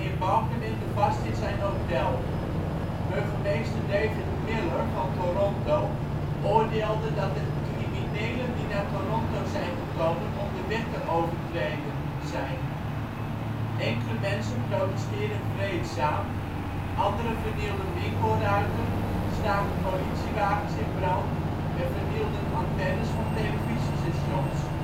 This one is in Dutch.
Balkenende vast in zijn hotel. Burgemeester David Miller van Toronto oordeelde dat het " criminelen die naar Toronto zijn gekomen om de wet te overtreden " zijn. Enkele mensen protesteerden vreedzaam, anderen vernielden winkelruiten, staken politiewagens in brand en vernielden antennes van televisiestations